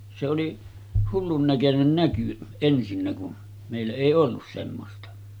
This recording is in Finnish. se oli hullun näköinen näky ensinnä kun meillä ei ollut semmoista